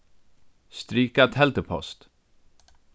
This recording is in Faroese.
strika teldupost